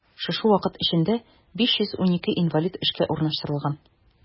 Шушы вакыт эчендә 512 инвалид эшкә урнаштырылган.